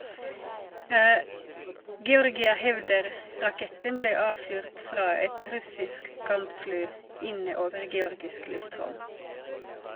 Georgia hevder raketten ble avfyrt fra et russisk kampfly inne over georgisk luftrom.